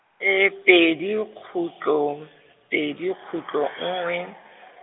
pedi kgutlo, pedi kgutlo nngwe.